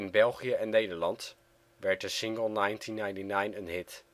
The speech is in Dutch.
België en Nederland (#13) werd de single 1999 een hit. Het